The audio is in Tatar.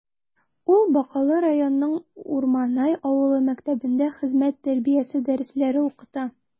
Ул Бакалы районының Урманай авылы мәктәбендә хезмәт тәрбиясе дәресләре укыта.